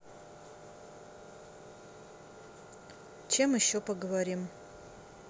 чем еще поговорим